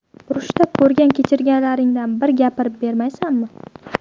urushda ko'rgan kechirganlaringdan bir gapirib bermaysanmi